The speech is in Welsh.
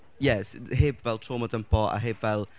Ie, s- heb fel trauma dympo, a heb fel...